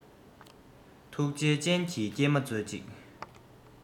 ཐུགས རྗེའི སྤྱན གྱིས སྐྱེལ མ མཛོད ཅིག